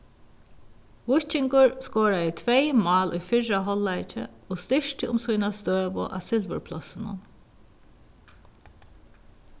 víkingur skoraði tvey mál í fyrra hálvleiki og styrkti um sína støðu á silvurplássinum